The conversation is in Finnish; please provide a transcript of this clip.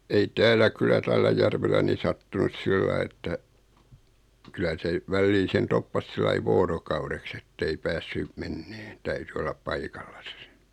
ei täällä kyllä tällä järvellä niin sattunut sillä lailla että kyllä se väliin sen toppasi sillä lailla vuorokaudeksi että ei päässyt menemään täytyi olla paikallaan se